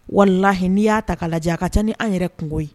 Walahi n'i y' ta'a lajɛ a ka ca ni an yɛrɛ kungogo ye